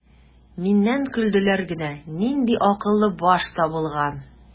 Миннән көлделәр генә: "Нинди акыллы баш табылган!"